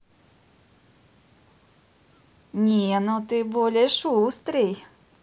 не ну ты более шустрый